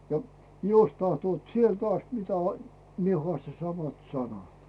ja jos tahtovat sieltä asti mitä minä haastan samat sanat